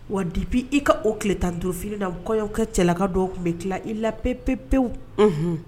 Wa dibi i ka o tile tan duuruurufiini na kɔkɛ cɛlaka dɔw tun bɛ tila i la pe-p- pewu un